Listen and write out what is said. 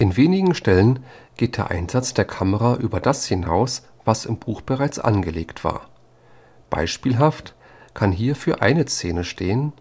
wenigen Stellen geht der Einsatz der Kamera über das hinaus, was im Buch bereits angelegt war. Beispielhaft kann hierfür eine Szene stehen